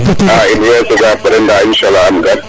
in way soga pare nda inchaalah xam gar